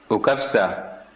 o ka fisa